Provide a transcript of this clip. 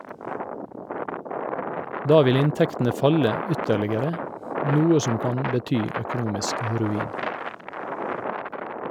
Da vil inntektene falle ytterligere, noe som kan bety økonomisk ruin.